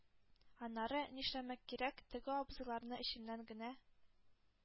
Аннары, нишләмәк кирәк, теге абзыйларны эчемнән генә